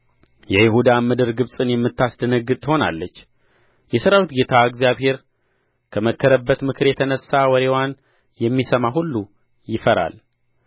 የይሁዳም ምድር ግብጽን የምታስደነግጥ ትሆናለች የሠራዊት ጌታ እግዚአብሔር ከመከረባት ምክር የተነሣ ወሬዋን የሚሰማ ሁሉ ይፈራል